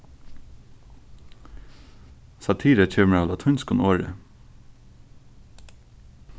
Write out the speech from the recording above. satira kemur av latínskum orði